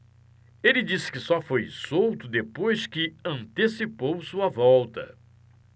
ele disse que só foi solto depois que antecipou sua volta